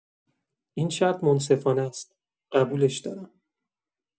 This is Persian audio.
این شرط منصفانه‌ست، قبولش دارم.